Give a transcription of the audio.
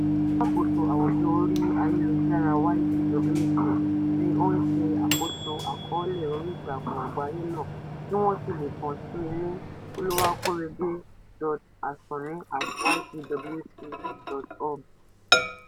Alákòóso Àwùjọ orí Ayélujára YPWC ni ó ń ṣe àkóso Àkọọ́lẹ̀ oríìtakùn àgbáyé náà tí wọ́n sì le kàn síi ní Oluwakorede.Asuni@ypwc.org